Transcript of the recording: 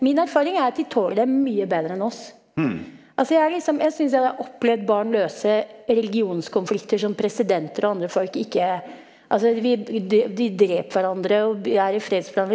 min erfaring er at de tåler det mye bedre enn oss, altså jeg er liksom jeg syns jeg har opplevd barn løse religionskonflikter som presidenter og andre folk ikke altså vi de dreper hverandre og vi er i fredsforhandling.